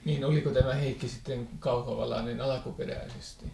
niin oliko tämä Heikki sitten kauhavalainen alkuperäisesti